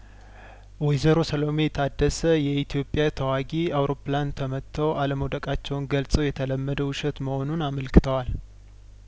ወይዘሮ ሰሎሜ ታደሰ የኢትዮጵያ ተዋጊ አውሮፕላን ተመተው አለመውደቃቸውን ገልጸው የተለመደ ውሸት መሆኑን አመልክተዋል